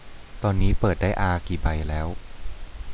ตอนนี้เปิดได้อากี่ใบแล้ว